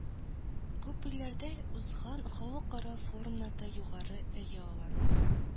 Күп илләрдә узган халыкара форумнарда югары бәя ала